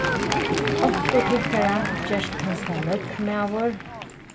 onkur tykkara gerst kanska løgmaður